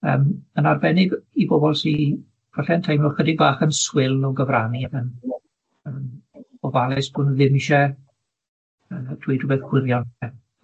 yym yn arbennig i bobol sy falle'n teimlo ychydig bach yn swil o gyfrannu, yn yn ofalus bod nw ddim isie yy dweud rywbeth gwirion.